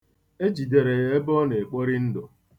E jidere ya ebe ọ na-ekpori ndụ.